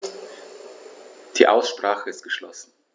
Die Aussprache ist geschlossen.